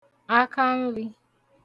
akanlī